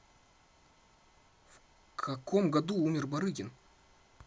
в каком году умер барыкин